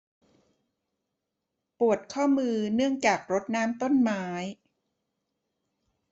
ปวดข้อมือเนื่องจากรดน้ำต้นไม้